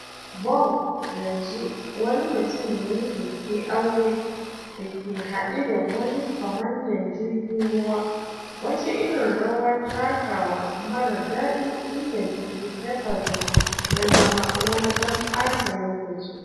Bough yanzu wani mutum ne da ke aure, da ke haɗe da wani kwamandan jirgin ruwa, wata irin rawar takawa marar daɗi inda Vicki Pepperdine ya zama wani ɗan ɓata lokaci.